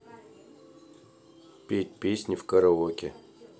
петь песни в караоке